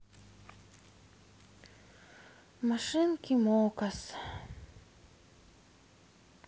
машинки мокос